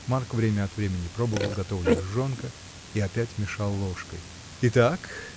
Марк время от времени пробовал, готова ли жжёнка, и опять мешал ложкой. — Итак.